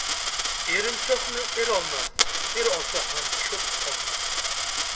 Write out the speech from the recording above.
erinchoqni er olmas er olsa ham ko'p qolmas